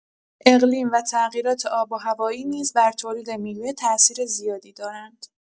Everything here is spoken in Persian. اقلیم و تغییرات آب‌وهوایی نیز بر تولید میوه تأثیر زیادی دارند.